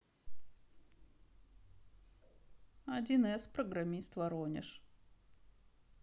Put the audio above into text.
один эс программист воронеж